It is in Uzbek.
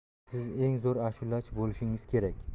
siz eng zo'r ashulachi bo'lishingiz kerak